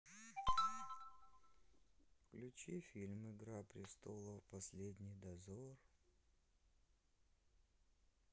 включи фильм игра престолов последний дозор